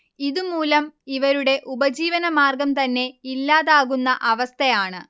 ഇതുമൂലം ഇവരുടെ ഉപജീവനമാർഗം തന്നെ ഇല്ലാതാകുന്ന അവസഥയാണ്